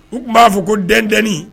U tun b'a fɔ ko dentin